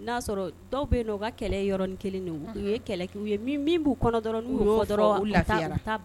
N y'a sɔrɔ dɔw bɛ yen u ka kɛlɛ yɔrɔ kelen ye kɛlɛ ye b'u dɔrɔn n dɔrɔn